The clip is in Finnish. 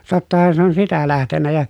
tottahan se on sitä lähtenyt ja